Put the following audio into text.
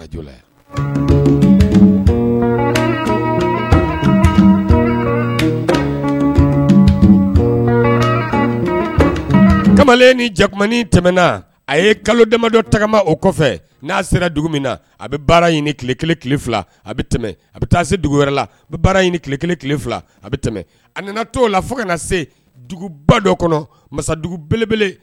Kamalen ni jakuma tɛmɛna a ye kalo dama dɔ tagama o kɔfɛ n'a sera dugu min na a bɛ baara ki kelen fila a bɛ tɛmɛ a bɛ taa se dugu wɛrɛ la a bɛ baara ki kelen fila a tɛmɛ a nana to o la fo kana na se duguba dɔ kɔnɔ masa dugu belebele